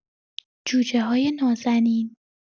جوجه‌های نازنین